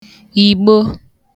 ìgbo